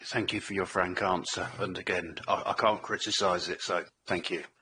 Thank you for your frank answer and again d- I I can't criticise it, so thank you.